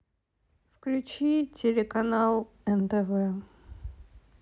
включи телеканал нтв